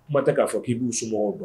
Kuma tɛ k'a k'i'u s sumaworo dɔn